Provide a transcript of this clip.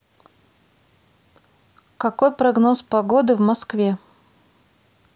какой прогноз погоды в москве